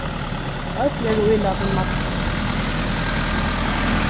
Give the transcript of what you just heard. øll eru ílatin masku